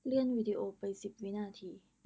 เลื่อนวีดีโอไปสิบวินาที